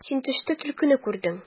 Син төштә төлкене күрдең.